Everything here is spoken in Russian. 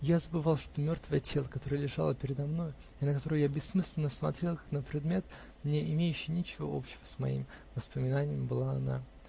Я забывал, что мертвое тело, которое лежало предо мною и на которое я бессмысленно смотрел, как на предмет, не имеющий ничего общего с моими воспоминаниями, была она.